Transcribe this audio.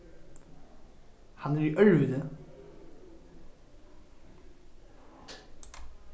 hann er í ørviti